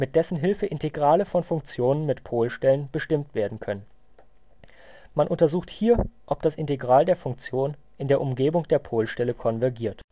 dessen Hilfe Integrale von Funktionen mit Polstellen bestimmt werden können. Man untersucht hier, ob das Integral der Funktion in der Umgebung der Polstelle konvergiert